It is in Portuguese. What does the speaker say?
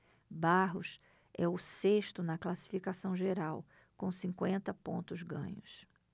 barros é o sexto na classificação geral com cinquenta pontos ganhos